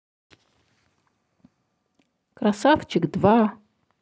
красавчик два